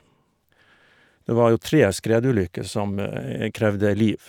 Det var jo tre skredulykker som krevde liv.